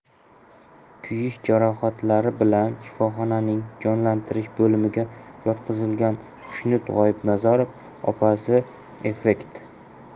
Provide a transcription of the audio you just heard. kuyish jarohatlari bilan shifoxonaning jonlantirish bo'limiga yotqizilgan xushnud g'oyibnazarov opasi effect